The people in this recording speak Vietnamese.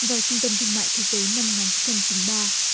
vào trung tâm thương mại thế giới năm nghìn chín trăm chín ba